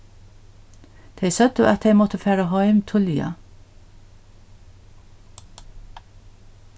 tey søgdu at tey máttu fara heim tíðliga